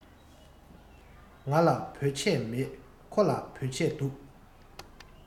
ང ལ བོད ཆས མེད ཁོ ལ བོད ཆས འདུག